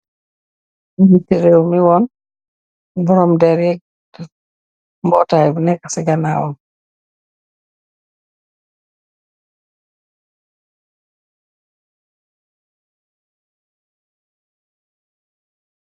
Ngiiti rew mi wont ay taka dèrr mortail yui neka sii gawnawan.